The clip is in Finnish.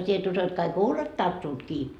sinä et usko että kaikki huulet tarttuvat kiinni